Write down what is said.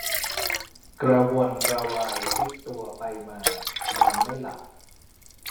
กระวนกระวายพลิกตัวไปมานอนไม่หลับ